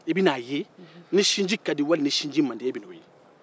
i bɛna a ye ni sinji ka di wali ni sinji man di